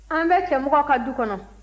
an bɛ cɛmɔgɔ ka du kɔnɔ